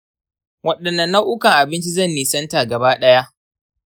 waɗanne nau'ukan abinci zan nisanta gaba-ɗaya?